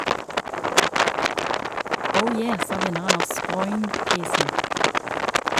Oh yeah, sa vinneren av Sproingprisen.